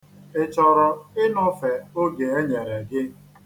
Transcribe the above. Ị chọrọ ịnọfe oge e nyere gị?